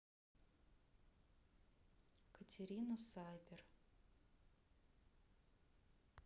катерина сайбер